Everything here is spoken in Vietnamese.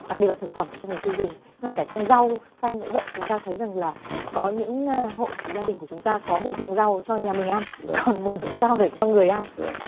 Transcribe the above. đặc biệt là thực phẩm cho người tiêu dùng ngay cả trong rau xanh cũng vậy chúng ta thấy rằng là có những hộ gia đình của chúng ta có một ruộng rau cho nhà mình ăn còn một ruộng rau là cho người ăn